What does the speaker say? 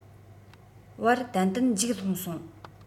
བར ཏན ཏན འཇིགས སློང སོང